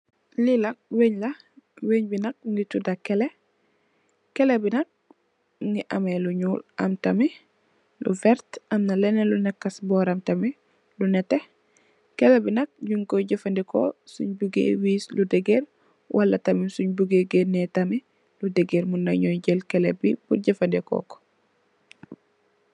Li nak wènn la, wènn bi nak mungi tuda kèlè. Kèlè bi nak mungi ameh lu ñuul am tamit lu vert amna lènn lu nekka ci boram tamit lu nètè. Kèlè bi nak nung koy jafadeko sin bi gay wiis lu degar wala tamit sunn bu gaye gènni tamit lu degar mun na nyo jël kèlè bi purr jafadeko.